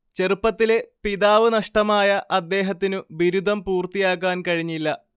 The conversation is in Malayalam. ചെറുപ്പത്തിലേ പിതാവ് നഷ്ടമായ അദ്ദേഹത്തിനു ബിരുദം പൂർത്തിയാക്കാൻ കഴിഞ്ഞില്ല